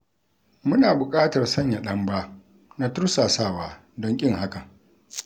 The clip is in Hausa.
Muna buƙatar sanya ɗan-ba na tursasawa don ƙin hakan.